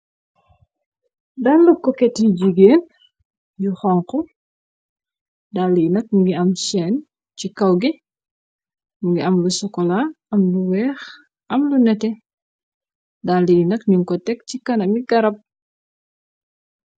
Dallu ko keti jigéen yu xonx dal yi nak ngi am seen ci kawge ngi amb sokola amlu weex am lu nete dali yi nak nuñ ko teg ci kana mi garab.